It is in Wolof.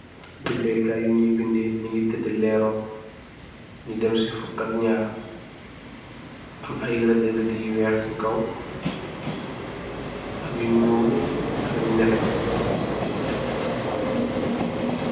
Binde kaii yu njui bindeh, njungy tedu lehroh, nju dem cii fukak njaar, am aiiy rehdue rehdue yu wekh cii kaw, ak lu njull ak lu nehteh.